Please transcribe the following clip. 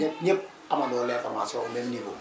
ñëpp ñëpp amandoo l' information au même niveau